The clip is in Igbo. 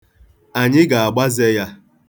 Anyị ga-agbaeze ya.